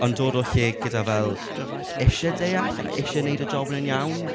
Ond dod o lle gyda fel isie deall, a isie gwneud y jób yna'n iawn.